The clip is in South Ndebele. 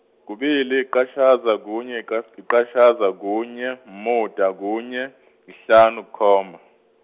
kubili yiqatjhaza kunye, -yika, yiqatjhaza kunye, umuda kunye, kuhlanu kukhomba.